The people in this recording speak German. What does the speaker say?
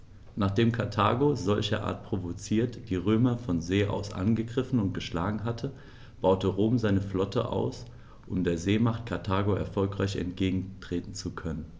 Nachdem Karthago, solcherart provoziert, die Römer von See aus angegriffen und geschlagen hatte, baute Rom seine Flotte aus, um der Seemacht Karthago erfolgreich entgegentreten zu können.